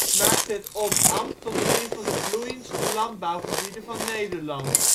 maakte het Oldambt tot één van de bloeiendste landbouwgebieden van Nederland